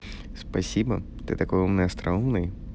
спасибо ты такой умный остроумный